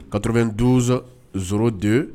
Katobɛn donsoz de